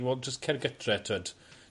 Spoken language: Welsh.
...wel jyst cer gytre t'wod